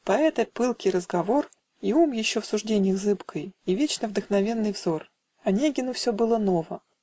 Поэта пылкий разговор, И ум, еще в сужденьях зыбкой, И вечно вдохновенный взор, - Онегину все было ново